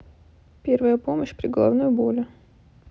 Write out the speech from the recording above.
первая помощь при головной боли